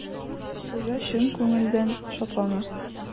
Хуҗа чын күңелдән шатлана.